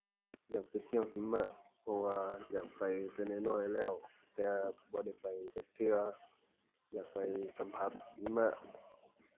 อยากไปเที่ยวหิมะ เพราะว่าอยากไปแต่น้อยน้อยแล้ว แต่บ่ได้ไปจักเทื่อ อยากไปสัมผัสหิมะ